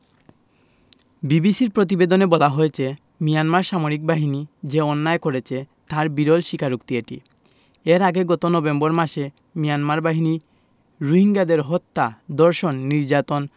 বিবিসির প্রতিবেদনে বলা হয়েছে মিয়ানমার সামরিক বাহিনী যে অন্যায় করেছে তার বিরল স্বীকারোক্তি এটি এর আগে গত নভেম্বর মাসে মিয়ানমার বাহিনী রোহিঙ্গাদের হত্যা ধর্ষণ নির্যাতন